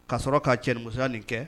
Ka sɔrɔ ka cɛmusoya nin kɛ